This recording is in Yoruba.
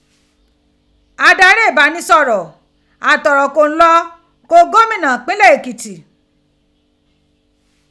Adarí ìbánisọ̀rọ̀ àti ọ̀rọ̀ kó n lọ ko gómìnà ipínlẹ̀ Èkìtì.